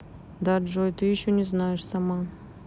да джой ты еще не знаешь сама